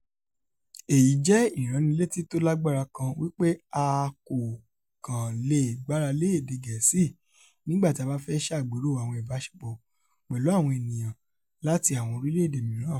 Èyí jẹ́ ìránnilétí tólágbára kan wí pé a kò kàn leè gbáralé èdé Gẹ́ẹ̀si nígbà tí a báfẹ ṣàgbéró àwọn ìbáṣepọ̀ pẹ̀lú àwọn ènìyàn latí àwọn orílẹ̀-èdè mìíràn.